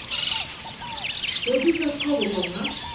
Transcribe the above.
hevur tú sæð kópakonuna